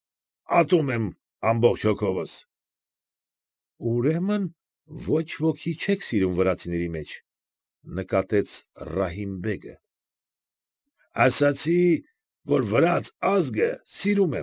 Ատում եմ ամբողջ հոգովս։ ֊ Ուրեմն, ոչ ոքի չեք սիրում վրացիների մեջ,֊ նկատեց Ռահիմ֊բեգը։ ֊ Ասացի, որ վրաց ազգը սիրում։